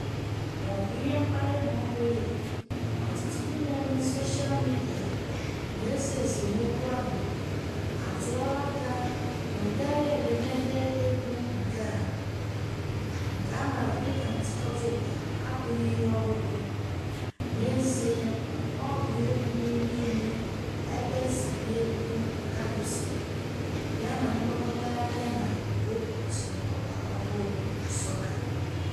Ma ọ bu ihe mkpali ma ọ bughị, ọtụtụ ndị na-eme soshaa midịa na-eso esemookwu ahu atụọla aka n'ụdị agha edemede egwu nke a (nke a maara dịka "ntikọta ụda") abụghị ihe ọhụrụ; n'ezie, ọ bụ ihe dị n'ime ime ebensibịa egwu kalịpso, ya na ngwakọta ya nke ụbochị ọgbara ọhụụ, sọka.